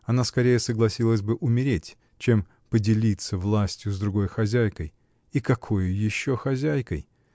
она скорее согласилась бы умереть, чем поделиться властью с другой хозяйкой, -- и какою еще хозяйкой!